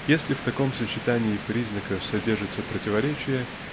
Если в таком сочетании признаков содержатся противоречия